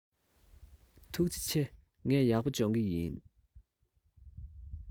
ཐུགས རྗེ ཆེ ངས ཡག པོ སྦྱོང གི ཡིན